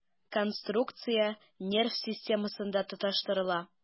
Конструкция нерв системасына тоташтырыла.